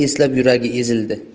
eslab yuragi ezildi